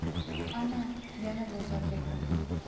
ana yana bozorga kirdik